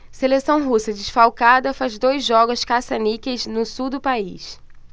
seleção russa desfalcada faz dois jogos caça-níqueis no sul do país